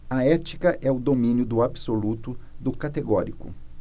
a ética é o domínio do absoluto do categórico